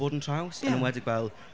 bod yn traws ...Ie... Yn enwedig fel...